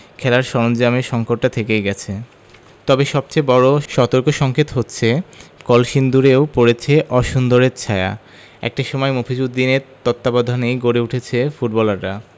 খেলার সরঞ্জামের সংকটটা থেকেই গেছে তবে সবচেয়ে বড় সতর্কসংকেত হচ্ছে কলসিন্দুরেও পড়েছে অসুন্দরের ছায়া একটা সময় মফিজ উদ্দিনের তত্ত্বাবধানেই গড়ে উঠেছে ফুটবলাররা